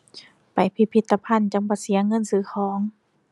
ไปพิพิธภัณฑ์ จั่งบ่เสียเงินซื้อของ